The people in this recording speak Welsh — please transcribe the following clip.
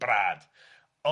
Brad.